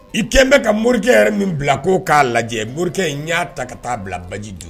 I kɛnbɛ ka morikɛ yɛrɛ min bila k'o k'a lajɛ morikɛ in y'a ta ka taa bila baji dun